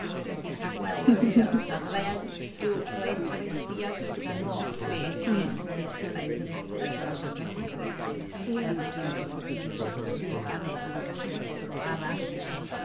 i fod wedi rhagweld rhan fwya o'r amsar fyddai yn rhyw fyddai'n fyddai'n sbio jys gyda'r nos beth be' s- be' sgynnai yn y dyddiadur ar gyfar diwrnod wedyn i wbod... Ie. ...ymm ydw i angan bod yn y swyddfa neu dwi'n gallu bod rhwla arall neu